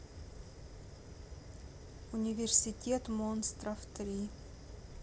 университет монстров три